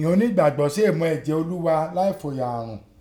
Ìghọn onígbàgbọ́ sèè mu ẹ̀jẹ̀ Olúgha láì fòyà àrùn